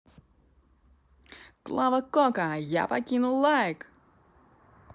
клава кока я покинул лайк